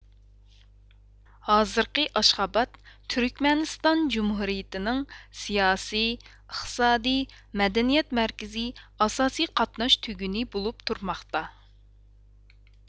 ھازىرقى ئاشخاباد تۈركمەنىستان جۇمھۇرىيىتىنىڭ سىياسىي ئىقتسادىي مەدەنىيەت مەركىزى ئاساسىي قاتناش تۈگۈنى بولۇپ تۇرماقتا